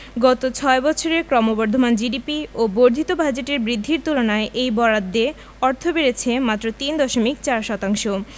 গত ছয় বছরে ক্রমবর্ধমান জিডিপি ও বর্ধিত বাজেটের বৃদ্ধির তুলনায় এই বরাদ্দে অর্থ বেড়েছে মাত্র তিন দশমিক চার শতাংশ